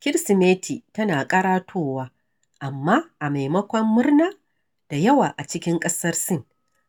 Kirsimeti tana ƙaratowa amma a maimakon murna, da yawa a cikin ƙasar Sin